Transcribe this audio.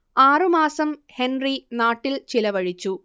ആറുമാസം ഹെൻറി നാട്ടിൽ ചിലവഴിച്ചു